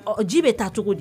Ɔ ji bɛ taa cogo di